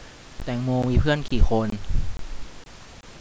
แตงโมมีเพื่อนกี่คน